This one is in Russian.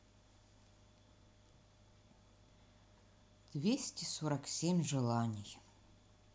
двести сорок семь желаний